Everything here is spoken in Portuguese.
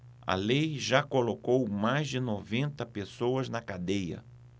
a lei já colocou mais de noventa pessoas na cadeia